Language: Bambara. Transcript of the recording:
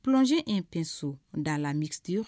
Pce in peso dala ladi